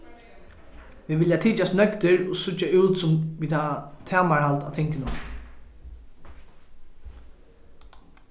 vit vilja tykjast nøgdir og síggja út sum um vit hava tamarhald á tingunum